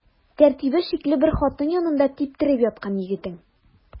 Тәртибе шикле бер хатын янында типтереп яткан егетең.